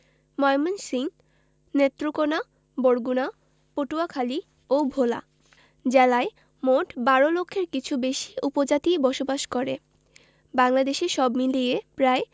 ময়মনসিংহ নেত্রকোনা বরগুনা পটুয়াখালী ও ভোলা জেলায় মোট ১২ লক্ষের কিছু বেশি উপজাতি বসবাস করে বাংলাদেশে সব মিলিয়ে প্রায়